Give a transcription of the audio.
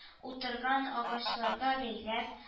Утырган агачларга бәйләп